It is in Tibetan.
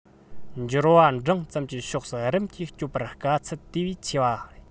འབྱོར བ འབྲིང ཙམ གྱི ཕྱོགས སུ རིམ གྱིས སྐྱོད པར དཀའ ཚད དེ བས ཆེ བ རེད